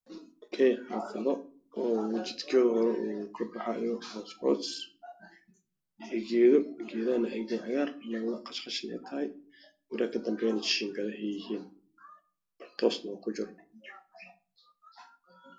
Halkaan waxaa ka muuqdo guriyo jiinkad ka samaysan waxaana gadaashooda ku yaalo geedo cagaaran oo gaagaaban